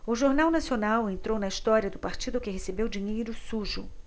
o jornal nacional entrou na história do partido que recebeu dinheiro sujo